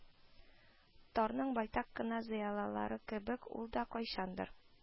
Тарның байтак кына зыялылары кебек, ул да кайчандыр